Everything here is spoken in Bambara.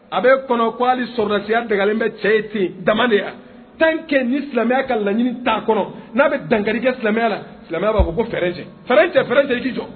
A bɛ kɔnɔ ko hali sɔdasiya dagalen bɛ cɛ ye ten dama de tan que ni silamɛya ka laɲini tɛ a kɔnɔ, n'a bɛ dankari kɛ silamɛya la, silamɛ b'a fɔ ko frein cɛ frein cɛ i jɔ.